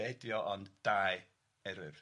Be ydy o, ond dau eryr?